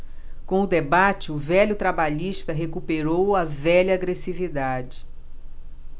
com o debate o velho trabalhista recuperou a velha agressividade